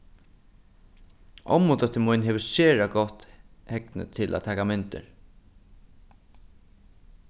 ommudóttir mín hevur sera gott hegni til at taka myndir